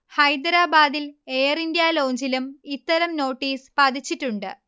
ഹൈദരാബാദിൽ എയർഇന്ത്യ ലോഞ്ചിലും ഇത്തരം നോട്ടീസ് പതിച്ചിട്ടുണ്ട്